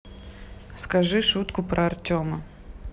скажи шутку про артема